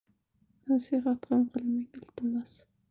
nasihat ham qilmang iltimos